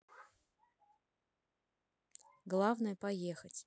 главное поехать